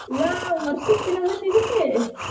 Wow, mor sydyn â hynny felly?